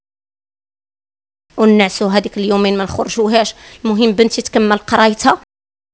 الناس هذه اليومين منخرش وهي مو هي بنت تكمل قراءه